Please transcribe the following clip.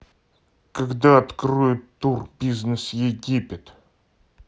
когда откроют тур бизнес египет